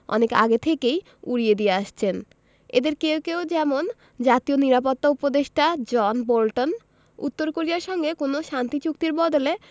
অনেক আগে থেকেই উড়িয়ে দিয়ে আসছেন এঁদের কেউ কেউ যেমন জাতীয় নিরাপত্তা উপদেষ্টা জন বোল্টন উত্তর কোরিয়ার সঙ্গে কোনো শান্তি চুক্তির বদলে